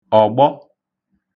ọ̀gbọ